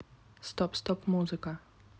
стоп стоп музыка